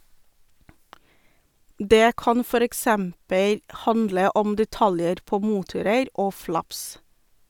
Det kan for eksempel handle om detaljer på motorer og flaps.